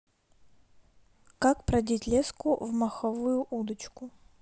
как продеть леску в маховую удочку